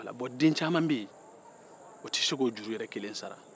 den caman bɛ yen o tɛ se k'o juru yɛrɛ kelen sara